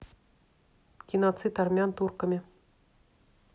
геноцид армян турками